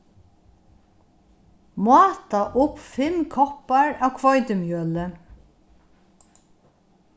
máta upp fimm koppar av hveitimjøli